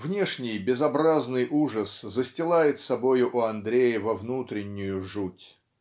" Внешний безобразный ужас застилает собою у Андреева внутреннюю жуть